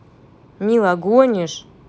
мила гонишь